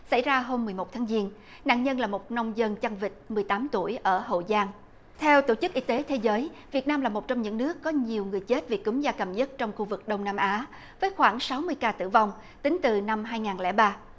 xảy ra hôm mười một tháng giêng nạn nhân là một nông dân chăn vịt mười tám tuổi ở hậu giang theo tổ chức y tế thế giới việt nam là một trong những nước có nhiều người chết vì cúm gia cầm nhất trong khu vực đông nam á với khoảng sáu mươi ca tử vong tính từ năm hai ngàn lẻ ba